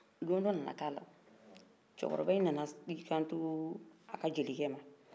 don dɔ nana k'a la cɛkɔrɔba in nana i kan t'a ka jelikɛ ma